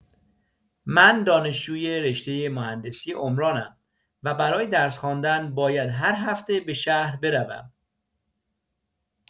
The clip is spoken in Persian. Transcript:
من دانشجوی رشته مهندسی عمرانم و برای درس خواندن باید هر هفته به شهر بروم.